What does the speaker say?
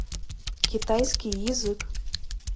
китайский язык